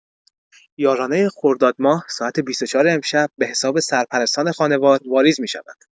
یارانه خردادماه ساعت ۲۴ امشب به‌حساب سرپرستان خانوار واریز می‌شود.